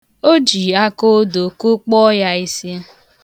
O ji akoodo kụkpọ ya isi.